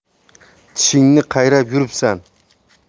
tishingni qayrab yuribsan